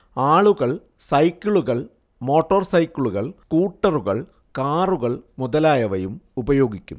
ആളുകൾ സൈക്കിളുകൾ മോട്ടോർ സൈക്കിളുകൾ സ്കൂട്ടറുകൾ കാറുകൾ മുതലായവയും ഉപയോഗിക്കുന്നു